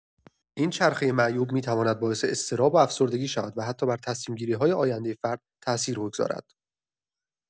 این چرخۀ معیوب می‌تواند باعث اضطراب و افسردگی شود و حتی بر تصمیم‌گیری‌های آیندۀ فرد تاثیر بگذارد.